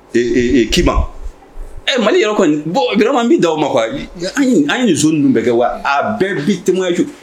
Ee k'i ee mali yɔrɔ bɔn bɛ da o ma an nin ninnu bɛ kɛ wa a bɛɛ bi temju